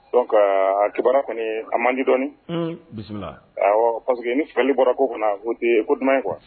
Donc a kibaruya kɔni a man di, un, dɔni ɔn bisimila parce que ni suɲɛli bɔra ko o ko o tɛ ko duman ye quoi